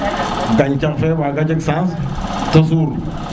gacax fe waga jeg chance te suur